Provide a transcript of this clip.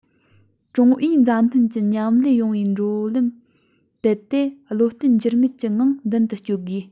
ཀྲུང ཨུའི མཛའ མཐུན མཉམ ལས ཡོང བའི འགྲོ ལམ དེད དེ བློ བརྟན འགྱུར མེད ངང མདུན དུ སྐྱོད དགོས